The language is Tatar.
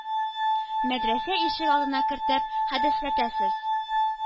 Мәдрәсә ишек алдына кертеп хәдәсләтәсез?